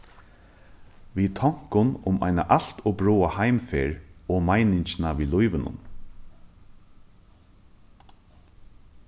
við tonkum um eina alt ov bráða heimferð og meiningina við lívinum